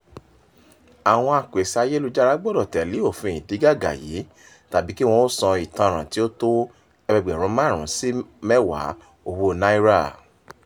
Àwọn apèsè ayélujára gbọdọ̀ tẹ̀lé òfin ìdígàgá yìí tàbí kí wọ́n ó sanwó ìtanràn tí ó tó ẹgbẹẹgbẹ̀rún 5 sí 10 owó naira